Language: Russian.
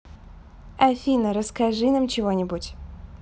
афина расскажи нам чего нибудь